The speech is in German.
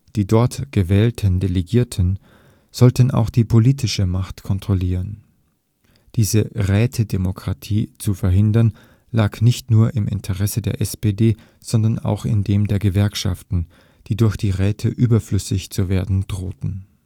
Die dort gewählten Delegierten sollten auch die politische Macht kontrollieren. Diese Rätedemokratie zu verhindern, lag nicht nur im Interesse der SPD, sondern auch in dem der Gewerkschaften, die durch die Räte überflüssig zu werden drohten